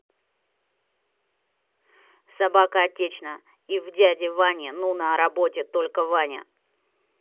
собака отечна и в дяде ване ну на работе только ваня